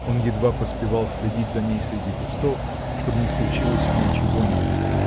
Он едва поспевал следить за ней среди кустов, чтоб не случилось с ней чего-нибудь.